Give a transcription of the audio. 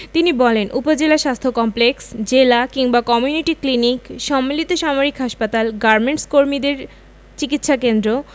তিনি বলেন উপজেলা স্বাস্থ্য কমপ্লেক্স জেলা কিংবা কমিউনিটি ক্লিনিক সম্মিলিত সামরিক হাসপাতাল গার্মেন্টকর্মীদের চিকিৎসাকেন্দ্র